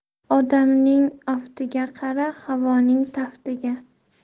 odamning aftiga qara havoning taftiga